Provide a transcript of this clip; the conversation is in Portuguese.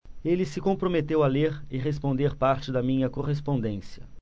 ele se comprometeu a ler e responder parte da minha correspondência